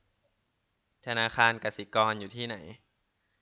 ธนาคารกสิกรอยู่ที่ไหน